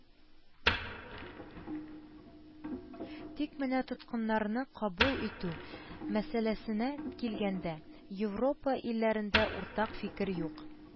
Тик менә тоткыннарны кабул итү мәсьәләсенә килгәндә, Европа илләрендә уртак фикер юк